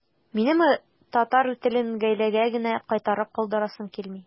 Минем татар телен гаиләгә генә кайтарып калдырасым килми.